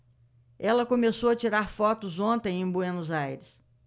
ela começou a tirar fotos ontem em buenos aires